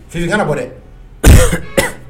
Fi kana bɔ dɛ